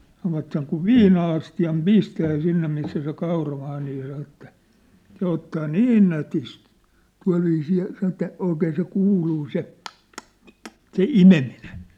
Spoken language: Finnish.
sanovat sen kun viina-astiaan pistää sinne missä se kauramaa niin sanoi että se ottaa niin nätisti tuolla viisiin sanoi että oikein se kuuluu se --- se imeminen